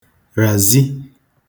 ràzi